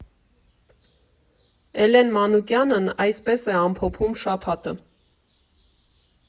Էլեն Մանուկյանն այսպես է ամփոփում շաբաթը.